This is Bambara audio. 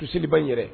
Tusiba n yɛrɛ